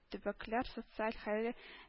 Төбәкләр социаль хәл